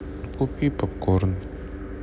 купи попкорн